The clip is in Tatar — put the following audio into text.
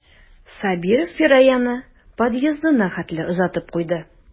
Сабиров Фираяны подъездына хәтле озатып куйды.